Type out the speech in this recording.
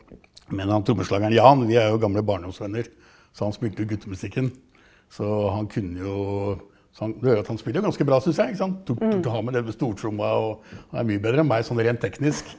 men han trommeslageren Jan vi er jo gamle barndomsvenner, så han spilte jo guttemusikken, så han kunne jo som gjør at han spiller ganske bra syns jeg ikke sant har med det med stortromma, og han er mye bedre enn meg sånn rent teknisk.